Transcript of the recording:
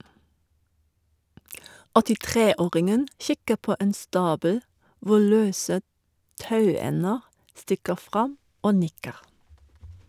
83-åringen kikker på en stabel hvor løse tauender stikker fram, og nikker.